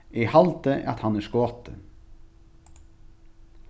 eg haldi at hann er skoti